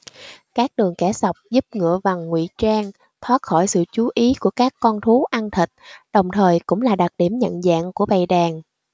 các đường kẻ sọc giúp ngựa vằn ngụy trang thoát khỏi sự chú ý của các con thú ăn thịt đồng thời cũng là đặc điểm nhận dạng của bầy đàn